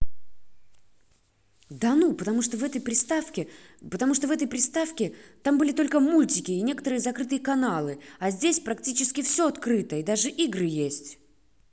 да ну потому что в этой приставке потому что в этой приставке там были только мультики и некоторые закрытые каналы а здесь практически все открыто и даже игры есть